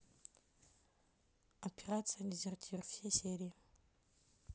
операция дезертир все серии